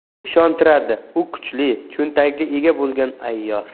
u ishontiradi u kuchli cho'ntagiga ega bo'lgan ayyor